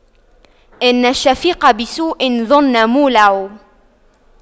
إن الشفيق بسوء ظن مولع